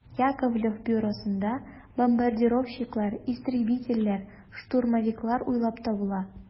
Яковлев бюросында бомбардировщиклар, истребительләр, штурмовиклар уйлап табалар.